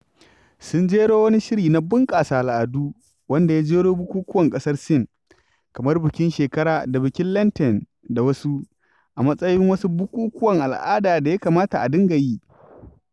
Sun jero wani shiri na bunƙasa al'adu wanda ya jero bukukuwan ƙasar Sin kamar bikin shekara da bikin Lantern, da wasu, a matsayin wasu bukukuwan al'ada da ya kamata a dinga yi.